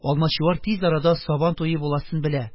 Алмачуар тиз арада сабан туе буласын белә,